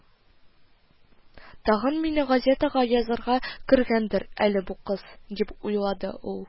«тагын мине газетага язарга кергәндер әле бу кыз, дип уйлады ул